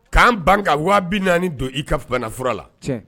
K'an bange ka waa bɛ naaniani don i ka fisana fura la